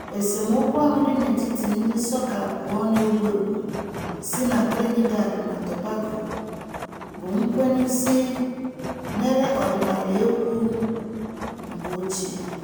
Esemokwu ahụ dị n'etiti ndị sọka abụọ na-ewu ewu si na Trinidad na Tobago bụ nkwe n'isi nyere ọdịnala égwú mgbe ochie.